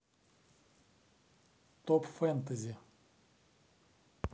топ фэнтези